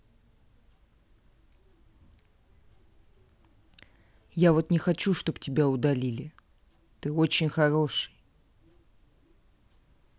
я вот не хочу чтоб тебя удалили ты очень хороший